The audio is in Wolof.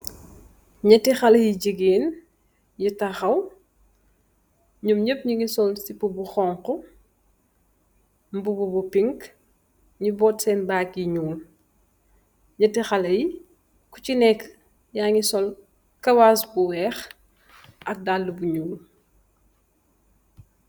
Ñetti xalèh yu gigeen yu taxaw ñom ñap ñugi sol sipu bu xonxu mbubu bu pink ñi bot sèèn bag yu ñuul. Ñetti xalèh yi ku si nekka ya ngi sol kawas bu wèèx ak dalli bi ñuul.